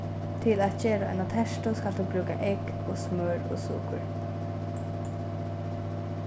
til at gera eina tertu skalt tú brúka egg og smør og sukur